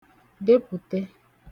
depụ̀te